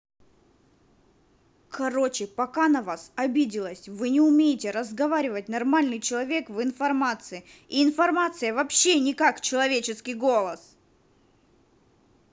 короче пока на вас обиделась вы не умеете разговаривать нормальный человек в информация и информация вообще не как человеческий голос